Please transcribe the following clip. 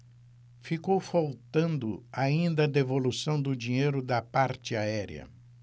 ficou faltando ainda a devolução do dinheiro da parte aérea